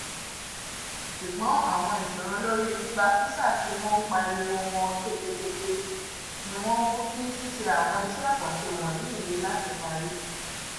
Ṣùgbọ́n àwọn ìṣòro lórí gbígba fíṣa tí wọ́n pariwo wọn ketekete ni wọ́n mú kí ṣíṣe àwọn iṣẹ́ àkànṣe wọ̀nyìí le láti parí.